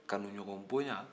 kanuɲɔgɔnbonya